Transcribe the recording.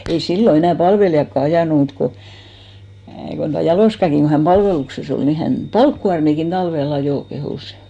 ei silloin enää palvelijatkaan ajanut mutta kun kun tuo Jaloskakin kun hän palveluksessa oli niin hän palkkikuormiakin talvella ajoi kehui